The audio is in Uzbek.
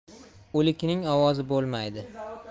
o'likning ovozi bo'lmaydi